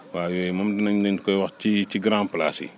waw yooyu moom dinañ leen koy wax ci ci grand place yi